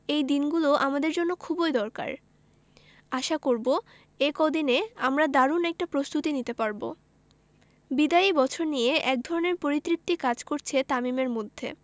এই দিনগুলো আমাদের জন্য খুবই দরকার আশা করব এই কদিনে আমরা দারুণ একটা প্রস্তুতি নিতে পারব বিদায়ী বছর নিয়ে একধরনের পরিতৃপ্তি কাজ করছে তামিমের মধ্যে